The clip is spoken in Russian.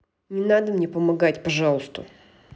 не надо мне помогать пожалуйста